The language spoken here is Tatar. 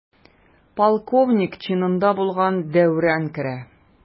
Полковник чинында булган Дәүран керә.